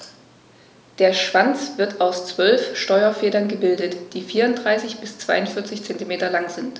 Der Schwanz wird aus 12 Steuerfedern gebildet, die 34 bis 42 cm lang sind.